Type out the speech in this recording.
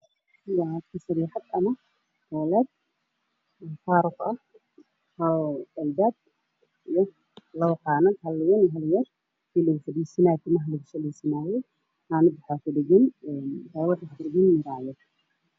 Waxaa ii muuqda armaajo midabkeedu yahay haddeys teen waxaana ku dhex jira dhalo caddaan ah